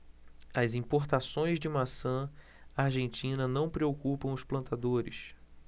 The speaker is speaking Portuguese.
as importações de maçã argentina não preocupam os plantadores